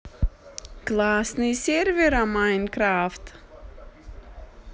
классный сервера minecraft